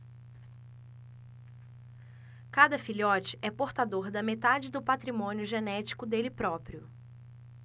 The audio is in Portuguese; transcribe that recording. cada filhote é portador da metade do patrimônio genético dele próprio